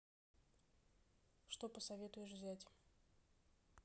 что посоветуешь взять